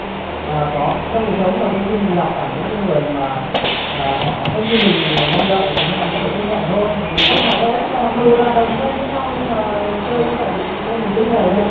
à có trong cuộc sống mà đôi khi mình gặp phải những cái người mà họ không như mình mong đợi thì thôi mình phải chấp nhận thôi mình trách họ thôi chứ mặc dù là đồng phen với nhau nhưng mà chơi như vậy thì thôi mình chấp nhận thôi